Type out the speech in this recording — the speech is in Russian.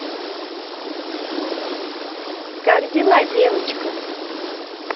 как дела девочка